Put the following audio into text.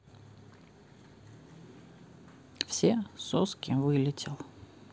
все соски вылетел